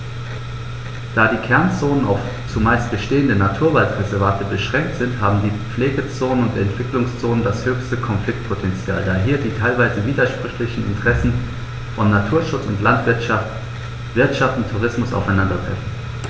Da die Kernzonen auf – zumeist bestehende – Naturwaldreservate beschränkt sind, haben die Pflegezonen und Entwicklungszonen das höchste Konfliktpotential, da hier die teilweise widersprüchlichen Interessen von Naturschutz und Landwirtschaft, Wirtschaft und Tourismus aufeinandertreffen.